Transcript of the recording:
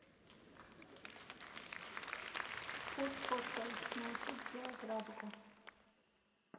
food hotter научить сделать радугу